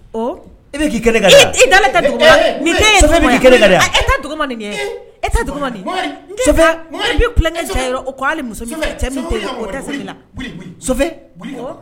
Oo i be k'i kɛ ne kan de a i d i dalen tɛ duguma he he mun be ye Sɔfɛ e be k'i kɛ ne kan de a a e tɛ dugumɔ nin ɲɛ iii subahanalahi Mɔmɛdi e tɛ dugumɔ nin ye n k'i kaa Sɔfɛɛ Mɔmɛdi e Sɔfɛ ne bi kulɔŋɛ e Sɔfɛ diya irɔ o kɔ hali muso min cɛ Sɔfɛ cɛ min te Sɔfɛ wili ka bɔ ŋɔrɔ wili o tɛ se ne la wili wili wili ka bɔ Sɔfɛɛ oo